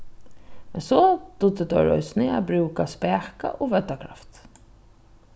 men so dugdu teir eisini at brúka spaka og vøddakraft